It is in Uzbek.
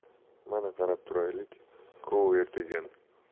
mana qarab turaylik cover degan